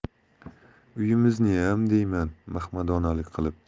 uyimizniyam deyman mahmadonalik qilib